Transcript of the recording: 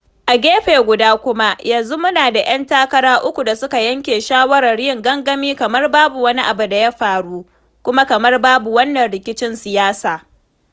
A gefe guda kuma, yanzu muna da ‘yan takara uku da suka yanke shawarar yin gangami kamar babu wani abu da ya faru kuma kamar babu wannan rikicin siyasa.